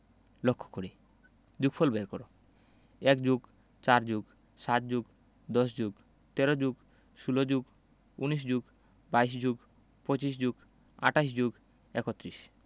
লক্ষ করি যোগফল বের করঃ ১+৪+৭+১০+১৩+১৬+১৯+২২+২৫+২৮+৩১